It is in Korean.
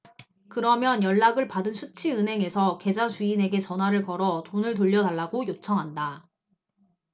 그러면 연락을 받은 수취 은행에서 계좌 주인에게 전화를 걸어 돈을 돌려 달라고 요청한다